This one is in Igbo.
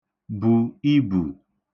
bù ibù